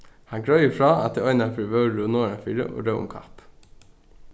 hann greiðir frá at tey einaferð vóru norðanfyri og róðu um kapp